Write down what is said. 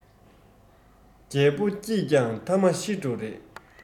རྒྱལ པོ སྐྱིད ཀྱང ཐ མ ཤི འགྲོ རེད